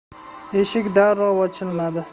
eshik darrov ochilmadi